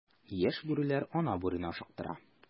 Яшь бүреләр ана бүрене ашыктыра.